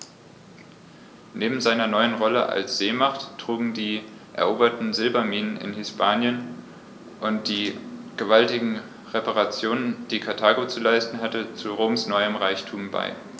Neben seiner neuen Rolle als Seemacht trugen auch die eroberten Silberminen in Hispanien und die gewaltigen Reparationen, die Karthago zu leisten hatte, zu Roms neuem Reichtum bei.